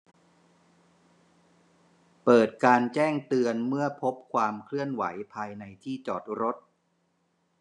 เปิดการแจ้งเตือนเมื่อพบความเคลื่อนไหวภายในที่จอดรถ